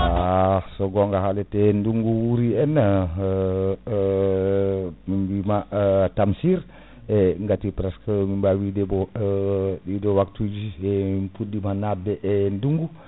a so gonga halate ndunggu uri en mi wima Tamsir gati presque min bawi widemo ɗiɗo wabtuji e min puɗɗima nadde e ndungu